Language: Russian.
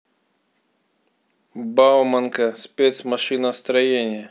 бауманка спецмашиностроение